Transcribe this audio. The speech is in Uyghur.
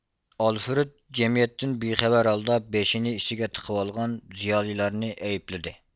ئالفرېد جەمئىيەتتىن بىخەۋەر ھالدا بېشىنى ئىچىگە تىقىۋالغان زىيالىيلارنى ئەيىپلىدى